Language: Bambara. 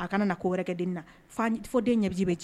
A kana na ko wɛrɛkɛ den na fɔ den ɲɛ bɛ cɛ